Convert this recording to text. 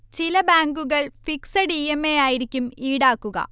ചില ബാങ്കുകൾ fixed E. M. A ആയിരിക്കും ഈടാക്കുക